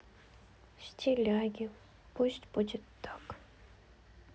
стиляги пусть будет так